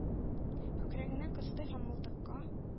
Күкрәгенә кысты һәм мылтыкка